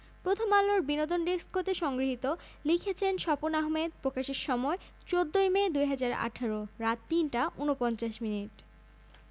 প্রথমআলো এর বিনোদন ডেস্ক হতে সংগৃহীত লিখেছেনঃ স্বপন আহমেদ প্রকাশের সময় ১৪মে ২০১৮ রাত ৩টা ৪৯ মিনিট